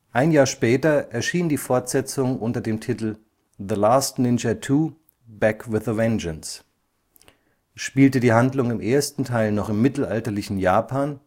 Ein Jahr später erschien die Fortsetzung unter dem Titel " The Last Ninja II: Back With A Vengeance ". Spielte die Handlung im ersten Teil noch im mittelalterlichen Japan